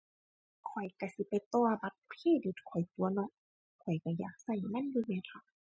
ข้อยก็สิไปต่อบัตรเครดิตข้อยตั่วเนาะ ข้อยก็อยากก็มันอยู่แหมเถาะ